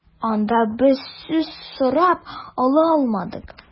Анда без сүз сорап ала алмадык.